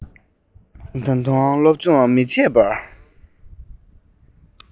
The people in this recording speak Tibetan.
ད དུང སློབ སྦྱོང མི བྱེད པར